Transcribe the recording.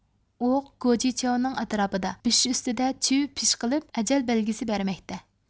ئوق گو جىچياۋنىڭ ئەتراپىدا بېشى ئۈستىدە چىۋ پىژ قىلىپ ئەجەل بەلگىسى بەرمەكتە